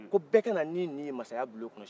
ko bɛ ka na n'i ni ye sini masaya bulon kɔnɔ